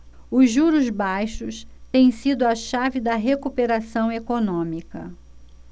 os juros baixos têm sido a chave da recuperação econômica